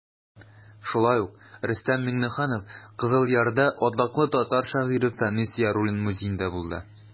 Шулай ук Рөстәм Миңнеханов Кызыл Ярда атаклы татар шагыйре Фәнис Яруллин музеенда булды.